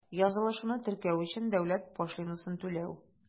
Язылышуны теркәү өчен дәүләт пошлинасын түләү.